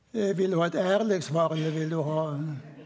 vil du ha eit ærleg svar eller vil du ha?